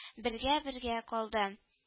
Бергә-бергә калды